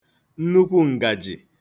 nnukwu ǹgàjị̀